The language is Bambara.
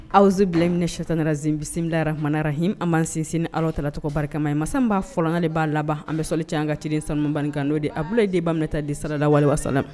an b'an sinsin ni Alahutala tɔgɔ barikama ye masa min b'a fɔlɔ n'ale b'a laban an be sɔli caya an ka ciden sanumanban nin kan n'o de Abdulahi den Baminata den salalawale wa salam